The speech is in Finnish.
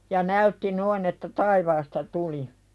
ja näytti noin että taivaasta tuli